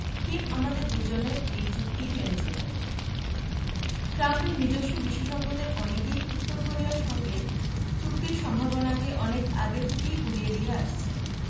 Kim আমাদের দুজনের এই চুক্তি মেনে চলবেন ট্রাম্পের নিজের বিশেষজ্ঞদের অনেকেই উত্তর কোরিয়ার সঙ্গে চুক্তির সম্ভাবনাকে অনেক আগে থেকেই উড়িয়ে দিয়ে আসছেন